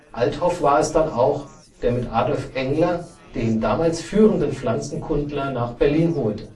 Althoff war es dann auch, der mit Adolf Engler den damals führenden Pflanzenkundler nach Berlin holte